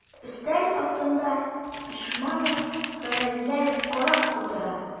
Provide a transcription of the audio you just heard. Өстәл артында Ишманов кәгазьләр карап утыра.